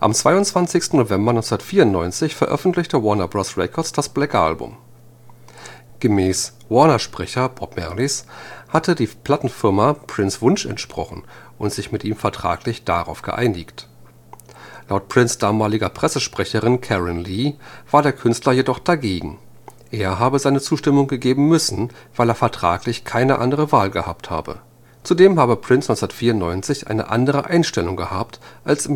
22. November 1994 veröffentlichte Warner Bros. Records das Black Album. Gemäß Warner-Sprecher Bob Merlis hatte die Plattenfirma Prince’ Wunsch entsprochen und sich mit ihm vertraglich darauf geeinigt. Laut Prince’ damaliger Pressesprecherin Karen Lee war der Künstler jedoch dagegen. Er habe seine Zustimmung geben müssen, weil er vertraglich keine andere Wahl gehabt habe. Zudem habe Prince 1994 eine andere Einstellung gehabt als